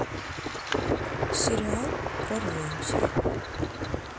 сериал прорвемся